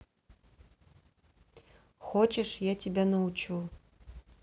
хочешь я тебя научу